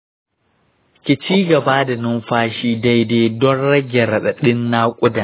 ki cigaba da numfashi daidai don rage raɗaɗin naƙudan